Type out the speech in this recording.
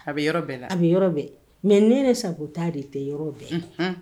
A bɛ yɔrɔ bɛɛ la a bɛ yɔrɔ bɛɛ mɛ ne ne sago taa de tɛ yɔrɔ bɛɛ